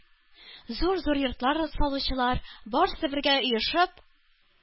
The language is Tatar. Зур-зур йортлар салучылар, барысы бергә оешып,